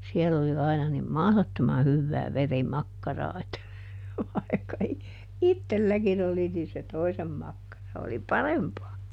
siellä oli aina niin mahdottoman hyvää verimakkaraa että vaikka - itselläkin oli niin se toisen makkara oli parempaa